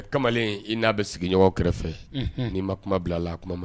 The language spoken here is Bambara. Kamalen i n'a bɛ sig iɲɔgɔn kɛrɛfɛ n'i ma kuma bila' la, a kuma man di